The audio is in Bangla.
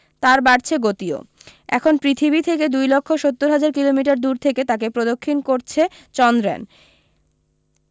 তার বাড়ছে গতিও এখন পৃথিবী থেকে দু লক্ষ সত্তর হাজার কিলোমিটার দূর থেকে তাকে প্রদক্ষিণ করছে চন্দ্র্যান